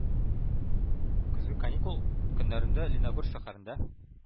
Көзге каникул көннәрендә Лениногорск шәһәрендә